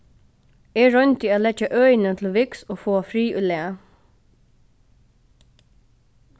eg royndi at leggja øðina til viks og fáa frið í lag